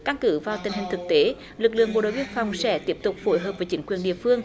căn cứ vào tình hình thực tế lực lượng bộ đội biên phòng sẽ tiếp tục phối hợp với chính quyền địa phương